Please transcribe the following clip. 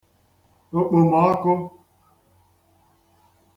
okpòmọọkụ